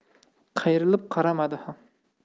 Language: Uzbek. qayrilib qaramadi ham